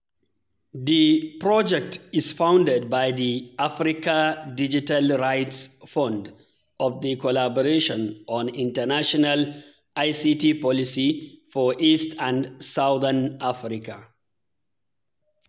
The project is funded by the Africa Digital Rights Fund of The Collaboration on International ICT Policy for East and Southern Africa.